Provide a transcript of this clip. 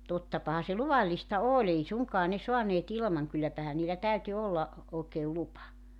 tottapahan se luvallista oli ei suinkaan saaneet ilman kylläpähän niillä täytyi olla oikein lupa